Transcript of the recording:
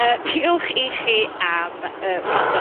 Yy diolch i chi am yy wrando...